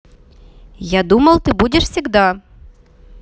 я думал ты будешь всегда